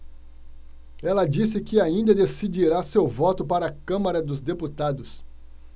ela disse que ainda decidirá seu voto para a câmara dos deputados